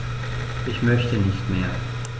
Ich möchte nicht mehr.